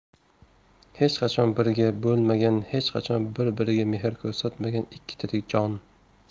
hech qachon birga bo'lmagan hech qachon bir biriga mehr ko'rsatmagan ikki tirik jon